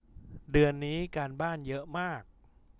เดือนนี้การบ้านเยอะมาก